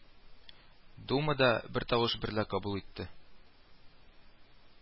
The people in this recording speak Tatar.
Дума да бертавыш берлә кабул итте